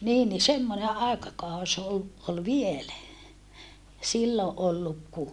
niin niin semmoinen aikakausi oli oli vielä silloin ollut kun